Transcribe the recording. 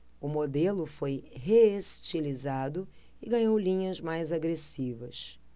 o modelo foi reestilizado e ganhou linhas mais agressivas